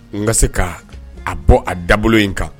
N ka se ka a bɔ a da in kan